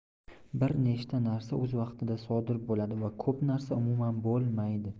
bir nechta narsa o'z vaqtida sodir bo'ladi va ko'p narsa umuman bo'lmaydi